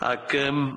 Ag yym